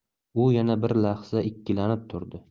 u yana bir lahza ikkilanib turdi